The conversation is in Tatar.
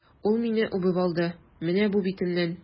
Ул мине үбеп алды, менә бу битемнән!